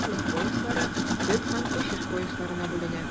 Климат пояслары төп һәм күчеш поясларына бүленә.